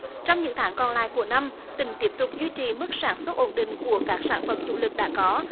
trong những tháng còn lại của năm tỉnh tiếp tục duy trì mức sản xuất ổn định của các sản phẩm chủ lực đã có